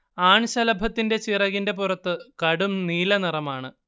ആൺശലഭത്തിന്റെ ചിറകിന്റെ പുറത്ത് കടും നീലനിറമാണ്